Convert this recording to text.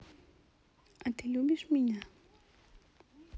а ты любишь меня